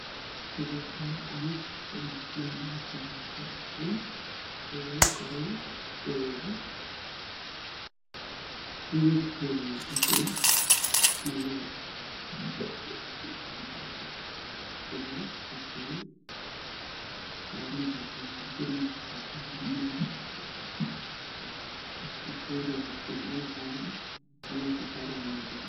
Meeshan waxaa iga muuqda mashiinta lagu shido cabitaanka iyo qudaarta waxaana lagu isticmaalaa koronto